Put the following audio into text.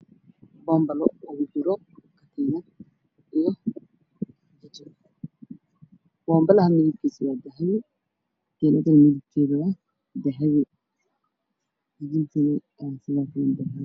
Buumbalo ay ku jiraan jijin tiinad tiinadda federaalkeedu waa madow on bareerkiisu waa caddeyn jiinwaa gaduud